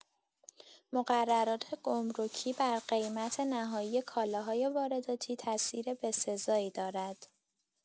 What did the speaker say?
مقررات گمرکی بر قیمت نهایی کالاهای وارداتی تاثیر بسزایی دارد.